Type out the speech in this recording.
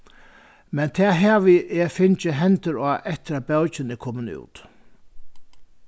men tað havi eg fingið hendur á eftir at bókin er komin út